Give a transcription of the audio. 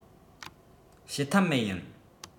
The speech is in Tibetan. བྱེད ཐབས མེད ཡིན